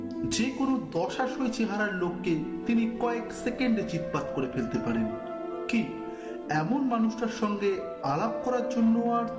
যেকোনো দশাসই চেহারার লোককে তিনি কয়েক সেকেন্ড চিৎপাত করে ফেলতে পারেন কি এমন মানুষটার সঙ্গে আলাপ করার জন্য আর